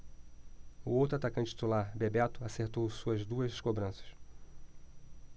o outro atacante titular bebeto acertou suas duas cobranças